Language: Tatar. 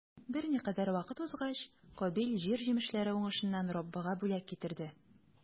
Берникадәр вакыт узгач, Кабил җир җимешләре уңышыннан Раббыга бүләк китерде.